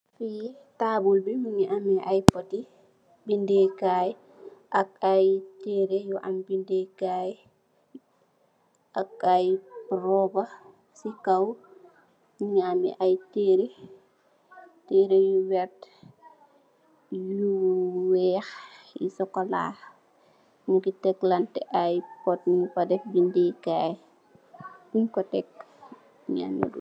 Fi taabul bi mungi ameh ay poti bindèkaay ak ay tereeh yu am bindèkaay ak ay roba ci kaw. Nungi ameh ay teereh, tereeh yu vert, yu weeh, yu sokola. Nungi teglantè ay pot nung fa deff bindèkaay. funn ko tekk mungi ameh lu.